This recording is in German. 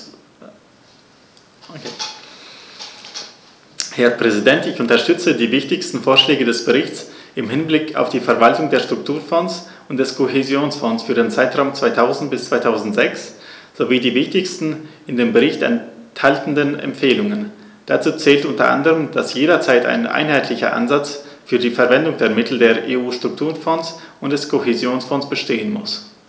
Herr Präsident, ich unterstütze die wichtigsten Vorschläge des Berichts im Hinblick auf die Verwaltung der Strukturfonds und des Kohäsionsfonds für den Zeitraum 2000-2006 sowie die wichtigsten in dem Bericht enthaltenen Empfehlungen. Dazu zählt u. a., dass jederzeit ein einheitlicher Ansatz für die Verwendung der Mittel der EU-Strukturfonds und des Kohäsionsfonds bestehen muss.